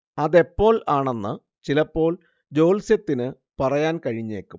അതെപ്പോൾ ആണെന്ന് ചിലപ്പോൾ ജ്യോല്‍സ്യത്തിനു പറയാൻ കഴിഞ്ഞേക്കും